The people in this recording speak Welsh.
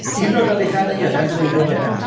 Hyd yn oed ar ei char hi, a sa i'n dreifio fe lot...